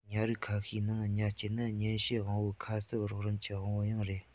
ཉ རིགས ཁ ཤས ནང ཉ རྐྱལ ནི ཉན བྱེད དབང པོའི ཁ གསབ རོགས རམ གྱི དབང པོ ཡང རེད